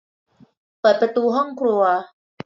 เปิดประตูห้องครัว